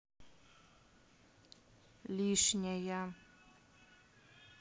лишняя